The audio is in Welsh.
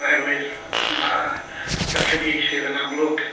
Oherwydd ma' y cyfieithydd yn amlwg...